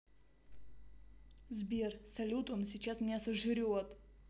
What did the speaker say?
сбер салют он сейчас меня сожрет